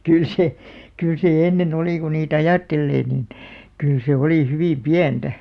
kyllä se kyllä se ennen oli kun niitä ajattelee niin kyllä se oli hyvin pientä